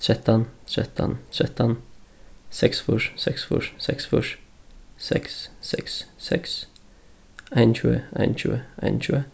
trettan trettan trettan seksogfýrs seksogfýrs seksogfýrs seks seks seks einogtjúgu einogtjúgu einogtjúgu